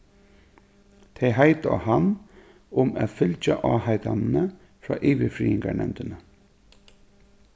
tey heita á hann um at fylgja áheitanini frá yvirfriðingarnevndini